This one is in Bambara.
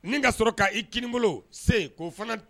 Ni ka sɔrɔ ka i kinibolo, sen k'o fana